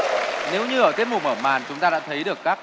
nếu như ở tiết mục mở màn chúng ta đã thấy được các